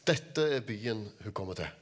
dette er byen hun kommer til.